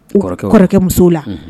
Kɔrɔkɛ kɔrɔkɛ musow la